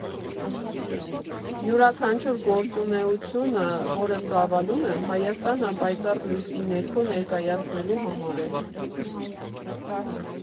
Յուրաքանչյուր գործունեություն, որ ծավալում եմ՝ Հայաստանը պայծառ լույսի ներքո ներկայացնելու համար է։